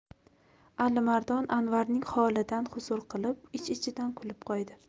alimardon anvarning holidan huzur qilib ich ichidan kulib qo'ydi